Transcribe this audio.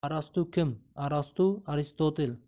arastu kim arastu aristotel